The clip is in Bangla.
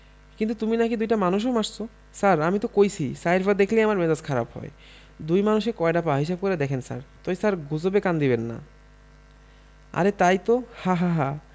কিন্তু তুমি নাকি দুইটা মানুষও মারছো ছার আমি তো কইছিই চাইর পা দেখলেই আমার মেজাজ খারাপ হয় দুই মানুষে কয়ডা পা হিসাব কইরা দেখেন ছার তয় ছার গুজবে কান্দিবেন্না আরে তাই তো হাহাহা